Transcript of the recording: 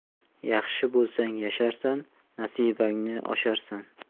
yaxshi bo'lsang yasharsan nasibangni osharsan